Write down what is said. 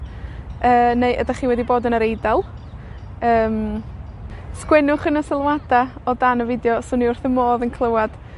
Yy neu ydach chi wedi bod yn yr Eidal, yym, sgwennwch yn y sylwada o dan y fideo. 'Swn i wrth fy modd yn clywad